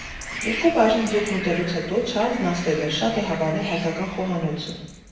Երկու բաժին ձուկն ուտելուց հետո Չարլզն ասել էր՝ շատ է հավանել հայկական խոհանոցը։